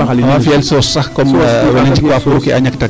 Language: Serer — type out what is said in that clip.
awa fiyel sauce sax comme weena njik waa puurke a ñaktale